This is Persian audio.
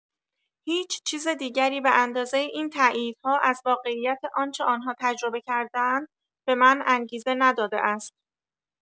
هیچ‌چیز دیگری به‌اندازه این تاییدها از واقعیت آنچه آن‌ها تجربه کرده‌اند به من انگیزه نداده است.